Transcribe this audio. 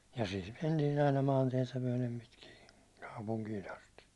ja siitä mentiin aina maantietä myöten pitkin ja kaupunkiin asti